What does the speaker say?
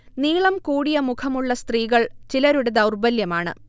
നീളം കൂടിയ മുഖമുള്ള സ്ത്രീകൾ ചിലരുടെ ദൗർബല്യമാണ്